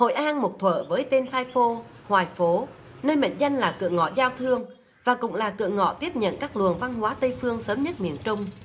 hội an một thợ với tên hoài phố hoài phố nơi mệnh danh là cửa ngõ giao thương và cũng là cửa ngõ tiếp nhận các luồng văn hóa tây phương sớm nhất miền trung